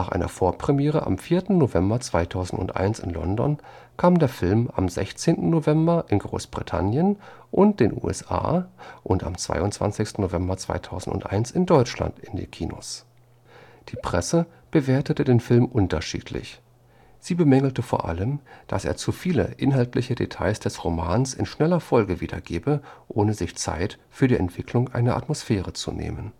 einer Vorpremiere am 4. November 2001 in London kam der Film am 16. November in Großbritannien und den USA und am 22. November 2001 in Deutschland in die Kinos. Die Presse bewertete den Film unterschiedlich. Sie bemängelte vor allem, dass er zu viele inhaltliche Details des Romans in schneller Folge wiedergebe, ohne sich Zeit für die Entwicklung einer Atmosphäre zu nehmen